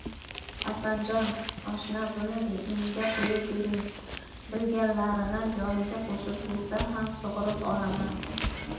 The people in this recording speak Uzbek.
hasanjon oshna buni menga qo'yib bering bilganlarini joniga qo'shib bo'lsa ham sug'urib olaman